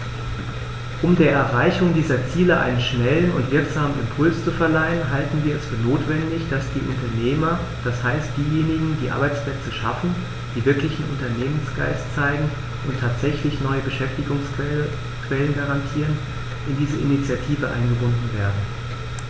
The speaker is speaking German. Um der Erreichung dieser Ziele einen schnellen und wirksamen Impuls zu verleihen, halten wir es für notwendig, dass die Unternehmer, das heißt diejenigen, die Arbeitsplätze schaffen, die wirklichen Unternehmergeist zeigen und tatsächlich neue Beschäftigungsquellen garantieren, in diese Initiative eingebunden werden.